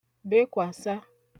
bekwàsa